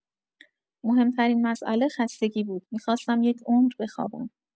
مهم‌ترین مساله خستگی بود، می‌خواستم یک عمر بخوابم.